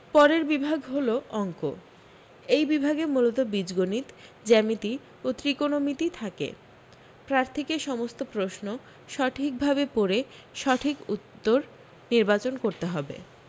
পরের বিভাগ হল অঙ্ক এই বিভাগে মূলত বীজগণিত জ্যামিতি ও ত্রিকোণমিতি থাকে প্রার্থীকে সমস্ত প্রশ্ন সঠিক ভাবে পড়ে সঠিক উত্তর নির্বাচন করতে হবে